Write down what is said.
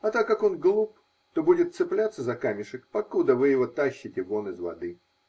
А так как он глуп, то будет цепляться за камешек, покуда вы его тащите вон из воды.